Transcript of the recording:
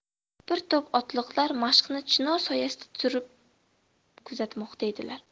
bir to'p otliqlar mashqni chinor soyasida turib kuzatmoqda edilar